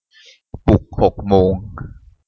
ปลุกหกโมง